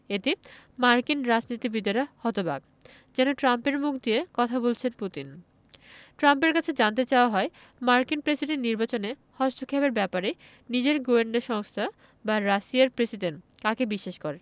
এতে মার্কিন রাজনীতিবিদেরা হতবাক যেন ট্রাম্পের মুখ দিয়ে কথা বলছেন পুতিন ট্রাম্পের কাছে জানতে চাওয়া হয় মার্কিন প্রেসিডেন্ট নির্বাচনে হস্তক্ষেপের ব্যাপারে নিজের গোয়েন্দা সংস্থা বা রাশিয়ার প্রেসিডেন্ট কাকে বিশ্বাস করেন